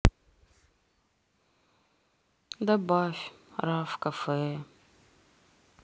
добавь рав кофе